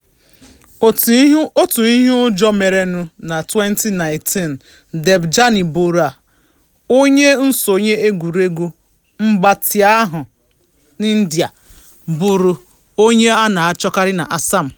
Otu ihe ụjọ merenụ na 2014, Debjani Bora, onye nsonye egwuregwu mgbatịahụ India, bụrụ onye a na-achọkarị na Assam.